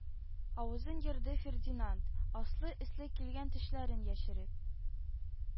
Авызын ерды фердинанд, аслы-өсле килгән тешләрен яшереп